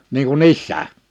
niin kuin sisään